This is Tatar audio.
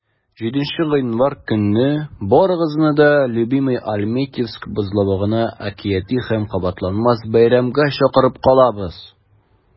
7 гыйнвар көнне барыгызны да "любимыйальметьевск" бозлавыгына әкияти һәм кабатланмас бәйрәмгә чакырып калабыз!